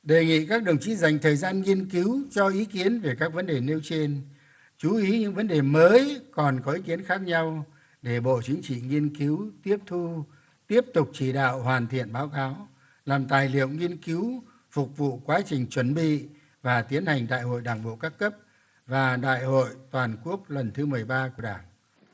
đề nghị các đồng chí dành thời gian nghiên cứu cho ý kiến về các vấn đề nêu trên chú ý những vấn đề mới còn có ý kiến khác nhau để bộ chính trị nghiên cứu tiếp thu tiếp tục chỉ đạo hoàn thiện báo cáo làm tài liệu nghiên cứu phục vụ quá trình chuẩn bị và tiến hành đại hội đảng bộ các cấp và đại hội toàn quốc lần thứ mười ba của đảng